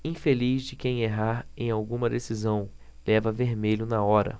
infeliz de quem errar em alguma decisão leva vermelho na hora